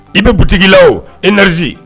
I bɛ butigi la o i naz